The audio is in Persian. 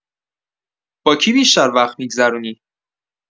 با کی بیشتر وقت می‌گذرونی؟